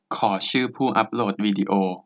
ขอชื่อผู้อัพโหลดวีดีโอ